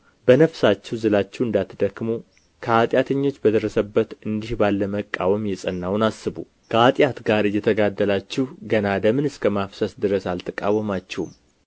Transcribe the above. በነፍሳችሁ ዝላችሁ እንዳትደክሙ ከኃጢአተኞች በደረሰበት እንዲህ ባለ መቃወም የጸናውን አስቡ ከኃጢአት ጋር እየተጋደላችሁ ገና ደምን እስከ ማፍሰስ ድረስ አልተቃወማችሁም